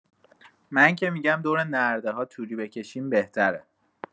من که می‌گم دور نرده‌ها توری بکشیم بهتره.